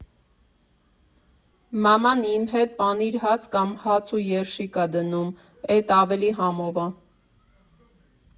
Մաման իմ հետ պանիր֊հաց կամ հաց ու երշիկ ա դնում, էդ ավելի համով ա։